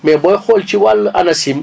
mais booy xool ci wàllu ANACIM